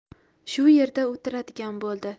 shu yerda o'tiradigan bo'ldi